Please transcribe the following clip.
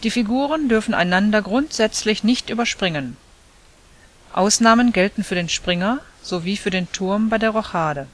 Figuren dürfen einander grundsätzlich nicht überspringen (Ausnahmen gelten für den Springer sowie für den Turm bei der Rochade